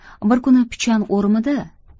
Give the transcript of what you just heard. bir kuni pichan o'rimida